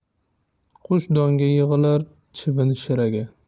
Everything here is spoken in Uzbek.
qush donga yig'ilar chivin shiraga